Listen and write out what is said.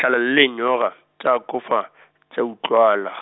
tlala le lenyora, tsa akofa, tsa utlwala.